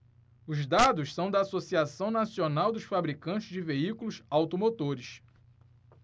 os dados são da anfavea associação nacional dos fabricantes de veículos automotores